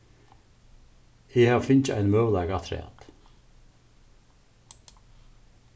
eg havi fingið ein møguleika afturat